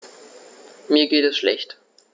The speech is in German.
Mir geht es schlecht.